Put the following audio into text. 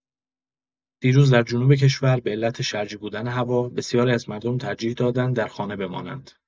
دیروز در جنوب کشور، به‌علت شرجی بودن هوا، بسیاری از مردم ترجیح دادند در خانه بمانند.